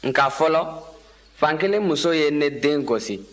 nka fɔlɔ fankelen muso ye ne den gosi